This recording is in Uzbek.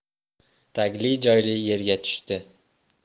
tagli joyli yerga tushdi